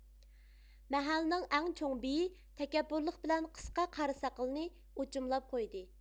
مەھەللىنىڭ ئەڭ چوڭ بېيى تەكەببۇرلۇق بىلەن قىسقا قارا ساقىلىنى ئوچۇملاپ قويدى